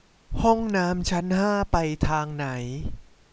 ห้องน้ำชั้นห้าไปทางไหน